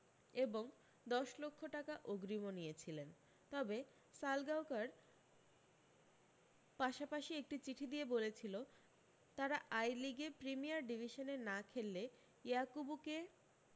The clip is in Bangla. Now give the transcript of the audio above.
এবং দশ লক্ষ টাকা অগ্রিমও নিয়েছিলেন তবে সালগাওকর পাশাপাশি একটি চিঠি দিয়ে বলেছিল তারা আই লিগে প্রিমিয়ার ডিভিসনে না খেললে ইয়াকুবুকে